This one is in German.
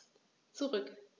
Zurück.